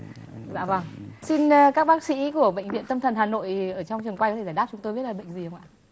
dạ vầng xin các bác sĩ của bệnh viện tâm thần hà nội ở trong trường quay có thể giải đáp chúng tôi biết là bệnh gì không ạ